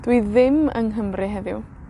Dwi ddim yng Nghymru heddiw.